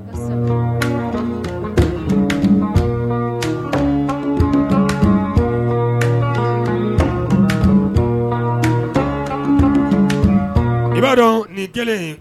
I b'a dɔn nin kelen